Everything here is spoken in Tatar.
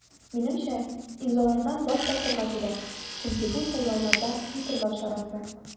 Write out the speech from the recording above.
Минемчә, имзалардан баш тартырга кирәк, чөнки бу сайлауларда фильтрлау чарасы.